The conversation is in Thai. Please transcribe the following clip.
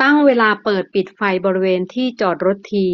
ตั้งเวลาเปิดปิดไฟบริเวณที่จอดรถที